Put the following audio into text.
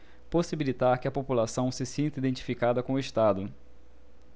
possibilitar que a população se sinta identificada com o estado